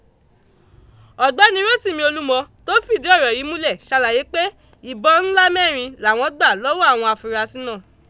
Ọ̀gbẹ́ni Rótìmí Olúmọ tó fìdí ọ̀rọ̀ yìí múlẹ̀ ṣàlàyé pé ìbọn ńlá mẹ́rin làwọn gbà lọ́wọ́ àwọn afurasí náà.